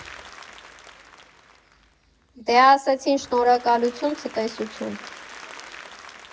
Դե, ասեցին, շնորհակալություն, ցտեսություն։